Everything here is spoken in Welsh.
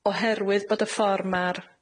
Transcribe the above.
Oherwydd bod y ffor ma'r